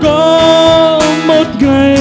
có một